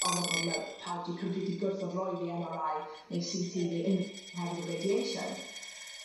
oh my god ma' pawb 'di completely gwrthod roi fi Emm Are Eye neu See Tee unryw oherwydd y radiation.